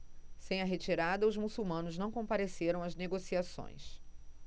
sem a retirada os muçulmanos não compareceram às negociações